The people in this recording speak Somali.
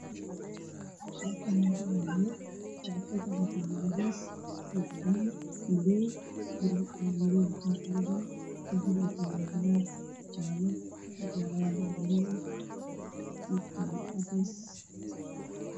Halkaan waxaa taalo jaakad cadeys ah, madow, bir madow qoorta ugu jirto darbiga ay taalo waa cagaar, jaale, cadeys.